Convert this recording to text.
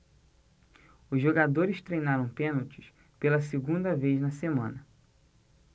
os jogadores treinaram pênaltis pela segunda vez na semana